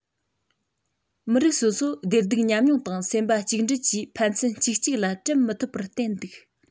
མི རིགས སོ སོ བདེ སྡུག མཉམ མྱོང དང སེམས པ གཅིག འབྲེལ གྱིས ཕན ཚུན གཅིག གཅིག ལ འབྲལ མི ཐུབ པར བརྟེན འདུག